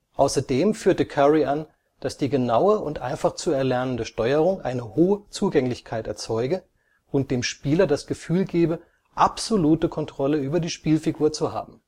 Außerdem führte Curry an, dass die genaue und einfach zu erlernende Steuerung eine hohe Zugänglichkeit erzeuge und dem Spieler das Gefühl gebe, absolute Kontrolle über die Spielfigur zu haben